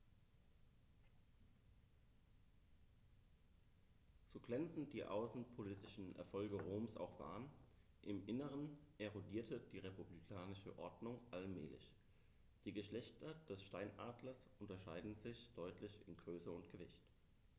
So glänzend die außenpolitischen Erfolge Roms auch waren: Im Inneren erodierte die republikanische Ordnung allmählich. Die Geschlechter des Steinadlers unterscheiden sich deutlich in Größe und Gewicht.